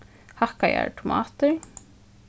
hakkaðar tomatir